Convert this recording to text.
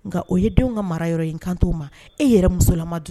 Nka o ye denw ka mara yɔrɔ in kan o ma e yɛrɛ musola dun